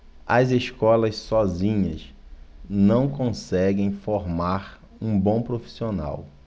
as escolas sozinhas não conseguem formar um bom profissional